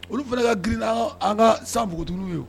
Olu fana ka grinna an ka san fugt ye